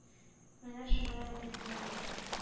Менә шулай укый Кәрим,